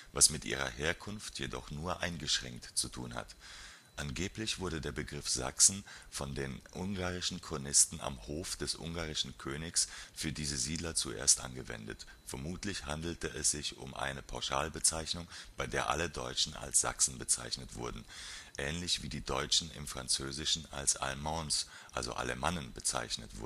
was mit ihrer Herkunft jedoch nur eingeschränkt zu tun hat. Angeblich wurde der Begriff „ Sachsen “von den ungarischen Chronisten am Hof des ungarischen Königs für diese Siedler zuerst angewendet. Vermutlich handelte es sich um eine Pauschalbezeichnung, bei der alle Deutschen als Sachsen bezeichnet wurden - ähnlich wie die Deutschen im Französischen als " Allemands ", also Allemannen, bezeichnet